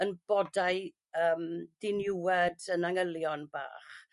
yn bodau yym diniwed yn angylion bach.